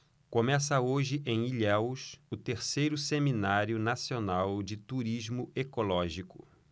começa hoje em ilhéus o terceiro seminário nacional de turismo ecológico